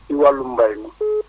ci wàllum mbay mi